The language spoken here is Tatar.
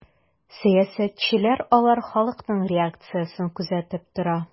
Сәясәтчеләр алар халыкның реакциясен күзәтеп тора.